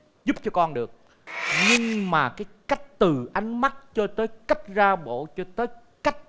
giúp cho con được nhưng mà cái cách từ ánh mắt cho tới cách ra bộ cho tới cách